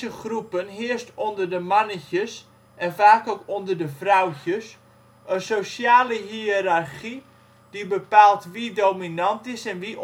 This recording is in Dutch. groepen heerst onder de mannetjes (en vaak ook onder vrouwtjes) een sociale hiërarchie die bepaalt wie dominant is en wie